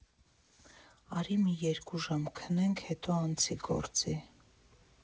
Արի մի երկու ժամ քնենք, հետո անցի գործի։